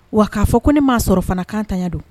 Wa k'a fɔ ko ne maa sɔrɔ fana kan ta don